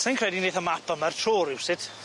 Sai'n credu neith y map yma'r tro rywsut.